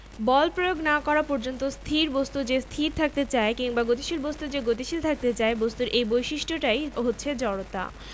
এই অধ্যায়ে আমরা বল প্রয়োগ করে কীভাবে গতির সৃষ্টি করা যায় কিংবা গতিকে প্রভাবিত করা যায় সেটি শিখব আমরা নিউটনের প্রথম সূত্রটি দিয়ে শুরু করতে পারি নিউটনের প্রথম সূত্র